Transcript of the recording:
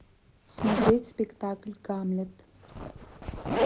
смотреть спектакль гамлет